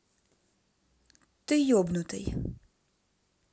ты ебнутый